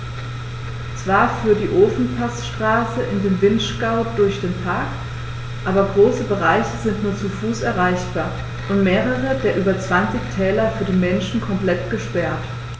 Zwar führt die Ofenpassstraße in den Vinschgau durch den Park, aber große Bereiche sind nur zu Fuß erreichbar und mehrere der über 20 Täler für den Menschen komplett gesperrt.